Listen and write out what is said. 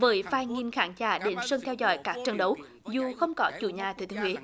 với vài nghìn khán giả đến sân theo dõi các trận đấu dù không có chủ nhà thừa thiên huế